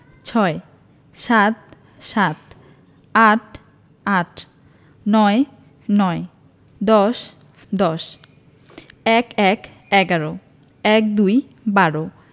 ছয় ৭ - সাত ৮ - আট ৯ - নয় ১০ – দশ ১১ - এগারো ১২ - বারো